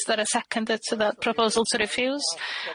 Is there a seconder to the proposal to refuse?